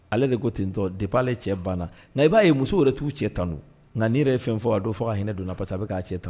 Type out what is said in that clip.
Ale de ko tentɔ depuis ale cɛ banna ŋa i b'a ye musow yɛrɛ t'u cɛ tando ŋa nin yɛrɛ ye fɛn fɔ a don fo k'a hinɛ don na parce que a be k'a cɛ tan